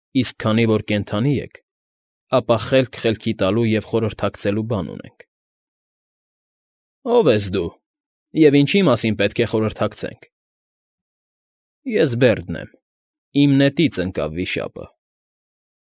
Իսկ քանի որ կենդանի եք, ապա խելք խելքի տալու և խորհրդակցելու բան ունենք։ ֊ Ո՞վ ես դու, և ինչի՞ մասին պետք է խորհրդակցենք։ ֊ Ես Բերդն եմ, իմ նետից ընկավ վիշապը։